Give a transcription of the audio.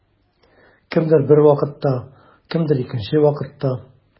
Кемдер бер вакытта, кемдер икенче вакытта.